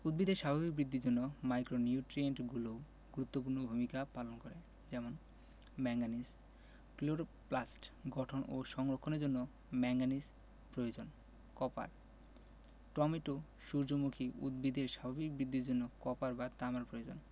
উদ্ভিদের স্বাভাবিক বৃদ্ধির জন্য মাইক্রোনিউট্রিয়েন্টগুলোও গুরুত্বপূর্ণ ভূমিকা পালন করে যেমন ম্যাংগানিজ ক্লোরোপ্লাস্ট গঠন ও সংরক্ষণের জন্য ম্যাংগানিজ প্রয়োজন কপার টমেটো সূর্যমুখী উদ্ভিদের স্বাভাবিক বৃদ্ধির জন্য কপার বা তামার প্রয়োজন